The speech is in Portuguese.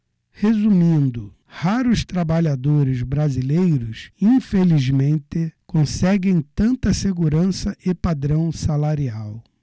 resumindo raros trabalhadores brasileiros infelizmente conseguem tanta segurança e padrão salarial